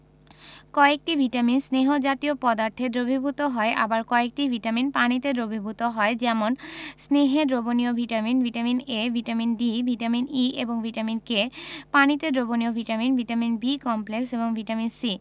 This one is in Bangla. কয়েকটি ভিটামিন স্নেহ জাতীয় পদার্থে দ্রবীভূত হয় আবার কয়েকটি ভিটামিন পানিতে দ্রবীভূত হয় যেমন স্নেহে দ্রবণীয় vitamin vitamin A vitamin D vitamin E ও ভিটামিন K পানিতে দ্রবণীয় ভিটামিন ভিটামিন B কমপ্লেক্স এবং ভিটামিন C